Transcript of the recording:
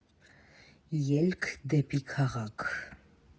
Ելք դեպի քաղաք։